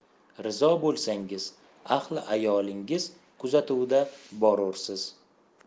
rizo bo'lsangiz ahli ayolingiz kuzatuvida borursiz